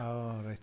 O, reit.